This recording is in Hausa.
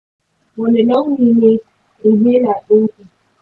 wane launi ne inhaler dinku?